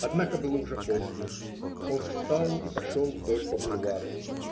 Однако было уже поздно; он встал и пошел вдоль по бульвару.